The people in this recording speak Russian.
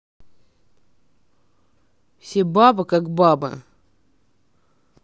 все бабы как бабы